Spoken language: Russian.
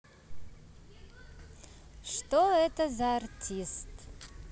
что это за артист